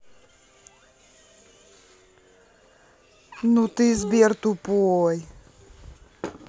ну ты сбер тупой